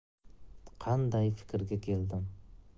qanday fikrga keldim